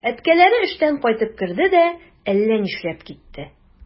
Әткәләре эштән кайтып керде дә әллә нишләп китте.